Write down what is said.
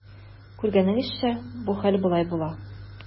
Күргәнегезчә, бу хәл болай була.